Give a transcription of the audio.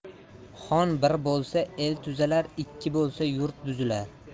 xon bir bo'lsa el tuzalar ikki bo'lsa yurt buzilar